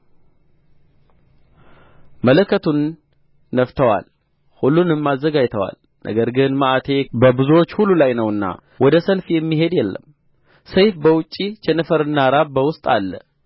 መለከቱን ነፍተዋል ሁሉንም አዘጋጅተዋል ነገር ግን መዓቴ በብዙዎች ሁሉ ላይ ነውና ወደ ሰልፍ የሚሄድ የለም ሰይፍ በውጭ ቸነፈርና ራብ በውስጥ አለ